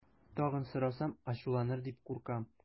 Тагын сорасам, ачуланыр дип куркам.